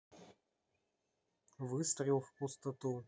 выстрел в пустоту